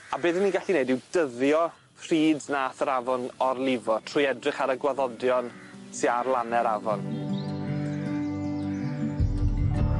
A be' 'dyn ni'n gallu neud yw dyddio pryd nath yr afon orlifo trwy edrych ar y gwaddodion sy ar lane'r afon.